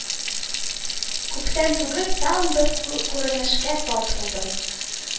Кγптән тγгел тагын бер кγренешкә тап булдым